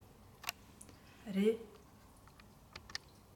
རེད